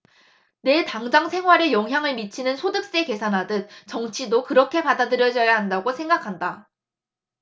내 당장 생활에 영향을 미치는 소득세 계산하듯 정치도 그렇게 받아들여져야 한다고 생각한다